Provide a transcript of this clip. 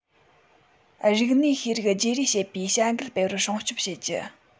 རིག གནས ཤེས རིག བརྗེ རེས བྱེད པའི བྱ འགུལ སྤེལ བར སྲུང སྐྱོབ བྱེད རྒྱུ